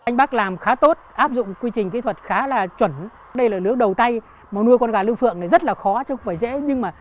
anh bắc làm khá tốt áp dụng quy trình kỹ thuật khá là chuẩn đây là lứa đầu tay mà nuôi con gà lương phượng rất là khó không phải dễ nhưng mà